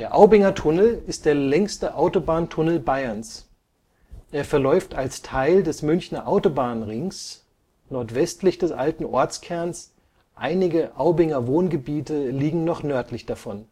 Aubinger Tunnel ist der längste Autobahntunnel Bayerns. Er verläuft als Teil des Münchner Autobahnrings (A 99) nordwestlich des alten Ortskerns, einige Aubinger Wohngebiete liegen noch nördlich davon